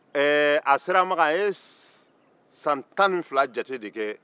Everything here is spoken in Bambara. ɛɛ a sera maka a ye san tan ni fila jate de kɛ